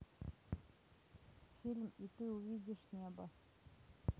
фильм и ты увидишь небо